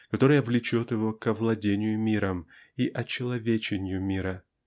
которая влечет его к овладению миром и очеловечению мира